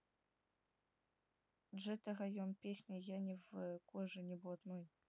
ghetto район песня я не в коже не блатной